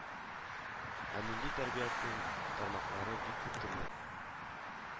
Ә милли тәрбиянең тармаклары бик күп төрле